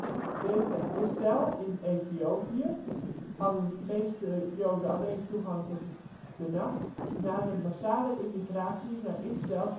Beta Israël – In Ethiopië hadden meeste joden alleen toegang tot de tenach. Na de massale immigratie naar Israël